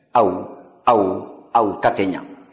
aw aw aw ta tɛ ɲɛ